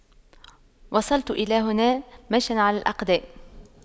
وصلت الى هنا مشيا على الأقدام